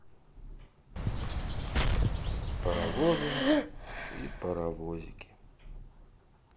паровозы и паровозики